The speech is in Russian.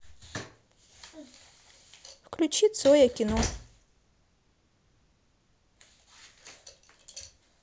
включи цоя кино